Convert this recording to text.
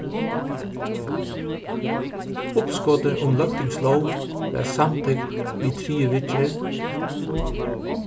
uppskotið um løgtingslóg varð samtykt við triðju viðgerð